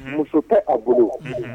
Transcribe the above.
Muso tɛ a bolo. unhun